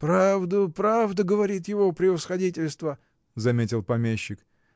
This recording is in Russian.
— Правду, правду говорит его превосходительство! — заметил помещик.